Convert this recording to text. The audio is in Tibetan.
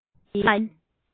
ཞུགས པ ཡིན